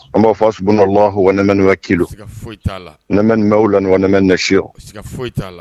An b'a fɔs la h wɛmɛ kilo n m bɛaw lagɛmɛɛsi